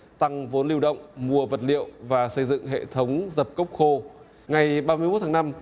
tăng vốn lưu động mua vật liệu và xây dựng hệ thống dập cốc khô ngày ba mươi mốt tháng năm